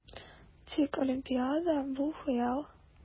Тик Олимпиада - бу хыял!